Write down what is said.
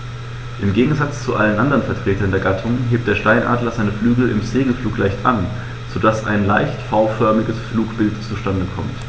Im Gegensatz zu allen anderen Vertretern der Gattung hebt der Steinadler seine Flügel im Segelflug leicht an, so dass ein leicht V-förmiges Flugbild zustande kommt.